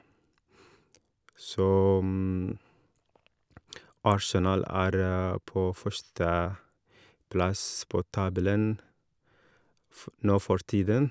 Så Arsenal er på førsteplass på tabellen fo nå for tiden.